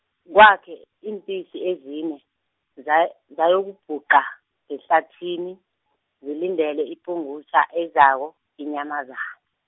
kwakhe iimpisi ezine zay- zayokubhuqa ngehlathini, zilindele ipungutjha ezako, inyamaza-.